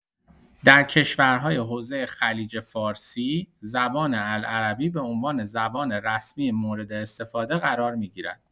در کشورهای حوزه خلیج فارسی، زبان العربی به‌عنوان زبان رسمی مورداستفاده قرار می‌گیرد.